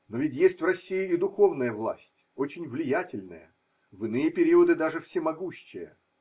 Но ведь есть в России и духовная власть, очень влиятельная, в иные периоды даже всемогущая.